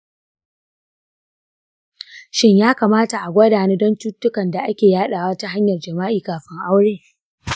shin ya kamata a gwada ni don cututtukan da ake yadawa ta hanyar jima'i kafin aure?